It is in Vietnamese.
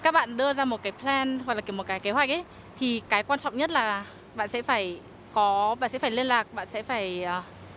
các bạn đưa ra một cái phen hoặc là một cái kế hoạch ý thì cái quan trọng nhất là bạn sẽ phải có bạn sẽ phải liên lạc bạn sẽ phải à